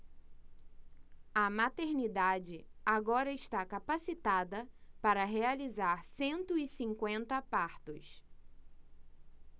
a maternidade agora está capacitada para realizar cento e cinquenta partos